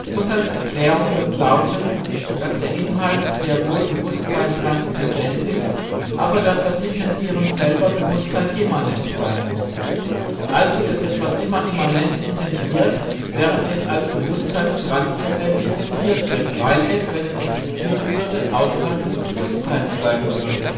Husserls Erklärung wird lauten, dass der Inhalt sehr wohl Bewusstsein-transzendent ist, aber dass das Intendieren selber Bewusstsein-immanent sein muss. Also wird etwas immer immanent intendiert, während es als Bewusstsein-transzendent intendiert wird (weil es, wenn es existieren würde, außerhalb des Bewusstseins sein würde